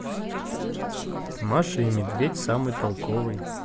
маша и медведь самый толковый